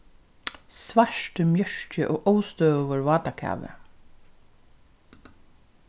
svartur mjørki og óstøðugur vátakavi